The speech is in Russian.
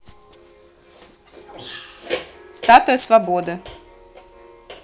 статуя свободы